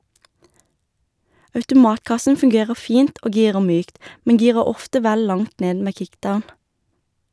Automatkassen fungerer fint og girer mykt, men girer ofte vel langt ned med kickdown.